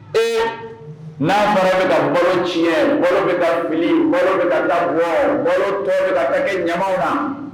Ee n'a mara bɛ taa balo tiɲɛ bɛ taa fili balo bɛ ka lawa balo tɔ la bɛge ɲamaw na